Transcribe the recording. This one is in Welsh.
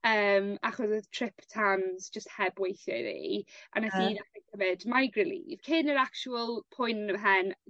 Yym achos o'dd Triptans jyst heb weithio i fi a nes i ddehre cymyd Migraleave cyn yr actual poen yn 'ym mhen